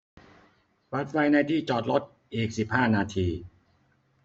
เปิดไฟในที่จอดรถอีกสิบห้านาที